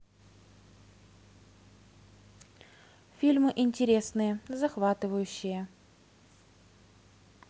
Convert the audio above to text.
фильмы интересные захватывающие